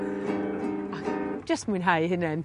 A jyst mwynhau 'i hunen.